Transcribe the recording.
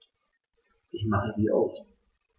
Ich mache sie aus.